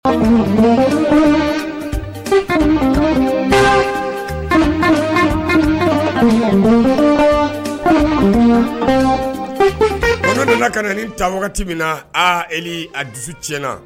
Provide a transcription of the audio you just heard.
Bamanan nana ka na ni ta wagati min na e a dusu tiɲɛna